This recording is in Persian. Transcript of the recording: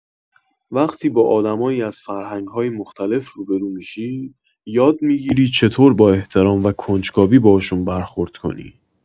وقتی با آدمایی از فرهنگ‌های مختلف روبه‌رو می‌شی، یاد می‌گیری چطور با احترام و کنجکاوی باهاشون برخورد کنی.